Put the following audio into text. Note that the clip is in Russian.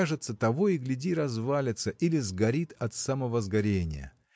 кажется, того и гляди, развалится или сгорит от самовозгорения